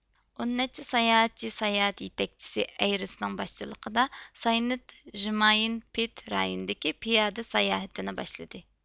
ئون نەچچە ساياھەتچى ساياھەت يېتەكچىسى ئەيرىسنىڭ باشچىلىقىدا ساينت ژېرماين پېد رايونىدىكى پىيادە ساياھىتىنى باشلىدى